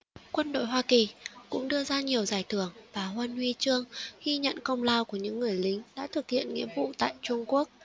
quân đội hoa kỳ cũng đưa ra nhiều giải thưởng và huân huy chương ghi nhận công lao của những người lính đã thực hiện nghĩa vụ tại trung quốc